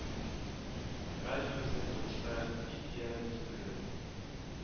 Радио безнең тормышка бик тирән үтеп керде